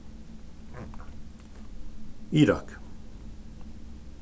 irak